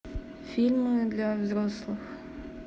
фильм для взрослых